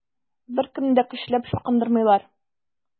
Беркемне дә көчләп чукындырмыйлар.